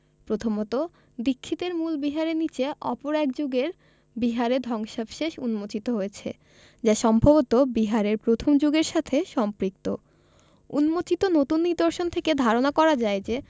প্রথমত দীক্ষিতের মূল বিহারের নিচে অপর এক যুগের বিহারের ধ্বংসাবশেষ উন্মোচিত হয়েছে যা সম্ভবত বিহারের প্রথম যুগের সাথে সম্পৃক্ত উন্মোচিত নতুন নিদর্শন থেকে ধারণা করা যায় যে